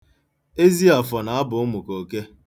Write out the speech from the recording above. Eziafọ na-abụ ụmụ ka oke.